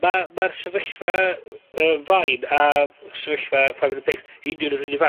...ma' ma'r sefyllfa yy Vine a sefyllfa five undred pics union yr un fath.